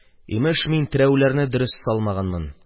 Имеш, мин терәүләрне дөрес салмаганмын.